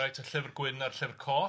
Reit, y Llyfr Gwyn a'r Llyfr Coch.